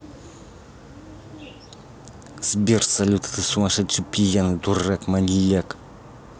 сбер салют а ты сумасшедший пьяный дурак маньяк